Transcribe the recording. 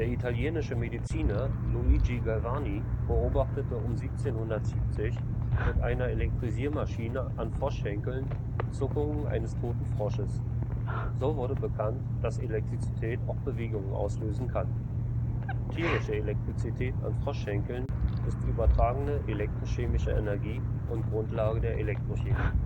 italienische Mediziner Luigi Galvani beobachtete um 1770 mit einer Elektrisiermaschine an Froschschenkeln Zuckungen eines toten Frosches. So wurde bekannt, dass Elektrizität auch Bewegungen auslösen kann. „ Tierische “Elektrizität an Froschschenkeln ist übertragene elektrochemische Energie und Grundlage der Elektrochemie